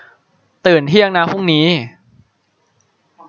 ตื่นเที่ยงนะพรุ่งนี้